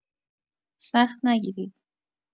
سخت نگیرید.